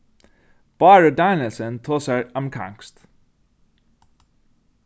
bárður danielsen tosar amerikanskt